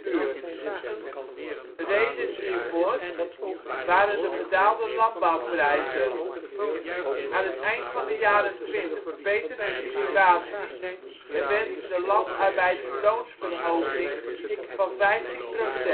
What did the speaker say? uur. Redenen hiervoor waren de gedaalde landbouwprijzen. Aan het eind van de jaren twintig verbeterde de situatie en wensten de landarbeiders loonsverhoging van 15 %